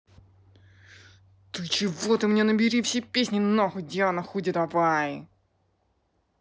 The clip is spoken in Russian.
ты чего ты мне набери все песни нахуй диана худи давай